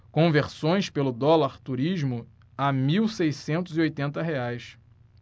conversões pelo dólar turismo a mil seiscentos e oitenta reais